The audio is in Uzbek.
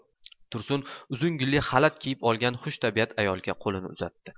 tursun uzun gulli xalat kiyib olgan xush tabiat ayolga qo'lini uzatdi